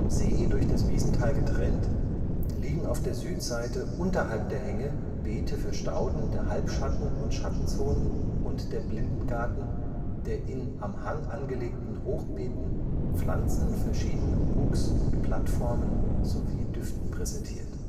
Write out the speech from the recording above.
See durch das Wiesental getrennt, liegen auf der Südseite unterhalb der Hänge Beete für Stauden der Halbschatten - und Schattenzonen und der Blindengarten, der in am Hang angelegten Hochbeeten Pflanzen mit verschiedenen Wuchs - und Blattformen sowie Düften präsentiert